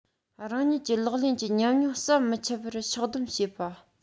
རང ཉིད ཀྱི ལག ལེན གྱི ཉམས མྱོང ཟམ མི འཆད པར ཕྱོགས སྡོམ བྱེད པ